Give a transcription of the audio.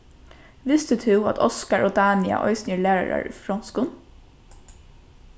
visti tú at oskar og dania eisini eru lærarar í fronskum